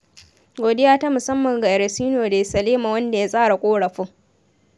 Godiya ta musamman ga Ericino de Salema wanda ya tsara ƙorafin.